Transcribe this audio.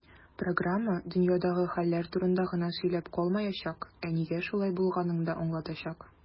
Программа "дөньядагы хәлләр турында гына сөйләп калмаячак, ә нигә шулай булганын да аңлатачак".